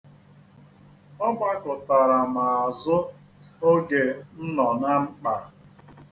Ọ gbakụtara m azụ oge m nọ na mkpa.